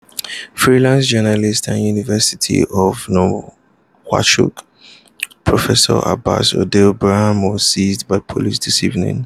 Freelance journalist and University of Nouakchott Professor Abbass Ould Braham was seized by police this evening.